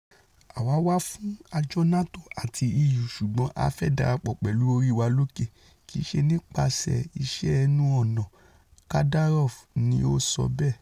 Àwa wà fún àjọ NATO àti EU, ṣugbọn a fẹ́ darapọ̀ pẹ̀lú orí wa lókè, kìí ṣe nípaṣẹ̀ iṣe ẹnu ọ̀nạ̀́'' Kadarkov ni o so bẹẹ̣́ ̣.